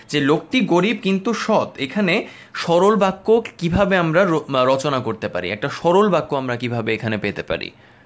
যে লোকটি গরিব কিন্তু সৎ এখানে সরল বাক্য কিভাবে আমরা রচনা করতে পারি একটা সরল বাক্য আমরা কিভাবে পেতে পারি